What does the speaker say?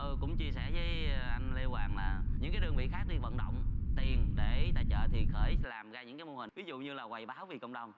ừ cũng chia sẻ với anh lê hoàng là những cái đơn vị khác đi vận động tiền để tài trợ thì khởi làm ra những mô hình ví dụ như là quầy báo vì cộng đồng